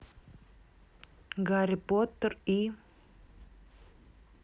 гарри поттер и